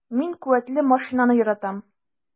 Мин куәтле машинаны яратам.